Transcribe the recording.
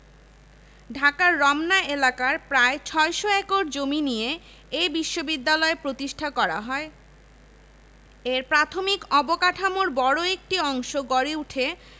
ঢাকার রমনা এলাকার প্রায় ৬০০ একর জমি নিয়ে এ বিশ্ববিদ্যালয় প্রতিষ্ঠা করা হয় এর প্রাথমিক অবকাঠামোর বড় একটি অংশ গড়ে উঠে